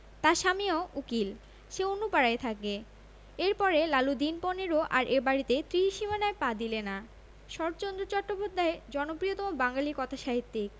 তার স্বামীও উকিল সে অন্য পাড়ায় থাকেএর পরে লালু দিন পনেরো আর এ বাড়ির ত্রিসীমানায় পা দিলে না শরৎচন্দ্র চট্টোপাধ্যায় জনপ্রিয়তম বাঙালি কথাসাহিত্যিক